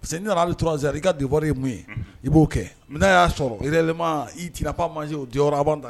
Parce n'i nana'ale traz i ka diwa mun ye i b'o kɛ na y'a sɔrɔ yɛrɛma i tiina mase jɔyɔrɔbanda